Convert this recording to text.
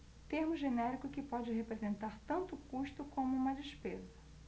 termo genérico que pode representar tanto um custo como uma despesa